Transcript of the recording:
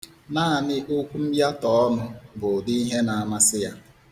Naanị okwu myatọ ọnụ bụ ụdị ihe na-amasị ya.